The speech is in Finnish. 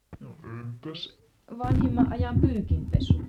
no entäs vanhimman ajan pyykinpesu